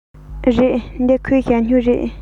རེད འདི ཁོའི ཞ སྨྱུག རེད